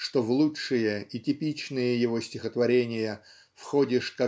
что в лучшие и типичные его стихотворения входишь